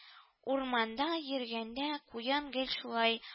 Урманда йөргәндә куян гел шулай